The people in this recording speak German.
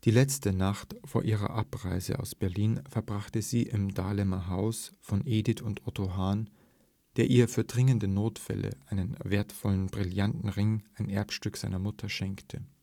letzte Nacht vor ihrer Abreise aus Berlin verbrachte sie im Dahlemer Haus von Edith und Otto Hahn, der ihr für dringende Notfälle einen wertvollen Brillantring, ein Erbstück seiner Mutter, schenkte